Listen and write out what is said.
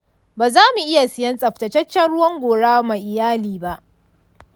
ba zamu iya siyan tsaftataccen ruwan gora ma iyali ba.